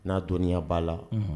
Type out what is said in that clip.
N'a dɔnniya ba la